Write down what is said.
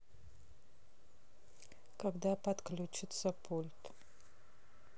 когда подключится пульт